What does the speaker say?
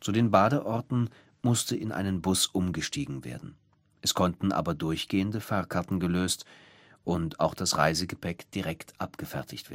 den Badeorten musste in einen Bus umgestiegen werden, es konnten aber durchgehende Fahrkarten gelöst und auch das Reisegepäck wurde direkt abgefertigt